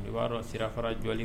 I ba dɔn sira fara joli